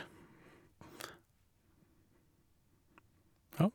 Ja.